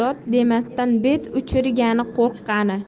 dod demasdan bet uchirgani qo'rqqani